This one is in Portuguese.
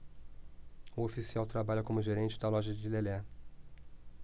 o oficial trabalha como gerente da loja de lelé